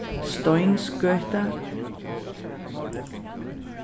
steinsgøta